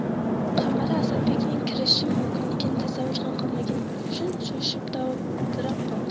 qamara asadbekning kirishi mumkinligini tasavvur ham qilmagani uchun shoshib dovdirab qoldi